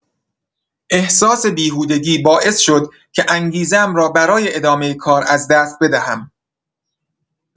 احساس بیهودگی باعث شد که انگیزه‌ام را برای ادامه کار از دست بدهم.